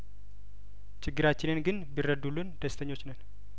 ችግራችንን ግን ቢረዱልን ደስተኞች ነን